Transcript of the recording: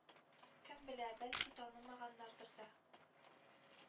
Кем белә, бәлки, танымаганнардыр да,